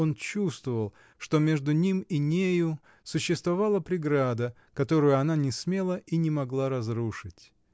он чувствовал, что между им и ею существовала преграда, которую она не смела и не могла разрушить.